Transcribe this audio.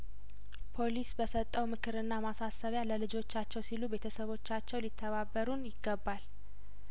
ፖሊስ በሰጠው ምክርና ማሳሰቢያ ለልጆቻቸው ሲሉ ቤተሰቦቻቸው ሊተባበሩን ይገባል